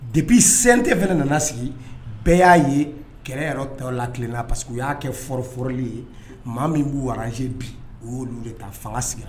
De bɛ sen tɛ fana nana sigi bɛɛ y'a ye kɛlɛ yɛrɛ ta la kelenna parce que u y'a kɛ forooroli ye maa min wsee bi oolu bɛ taa fanga sigi